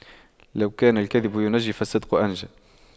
لو كان الكذب ينجي فالصدق أنجى